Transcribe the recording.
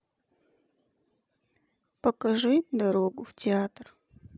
покажи дорогу в театр